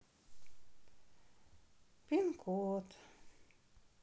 пин код